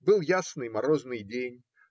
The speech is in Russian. Был ясный, морозный день.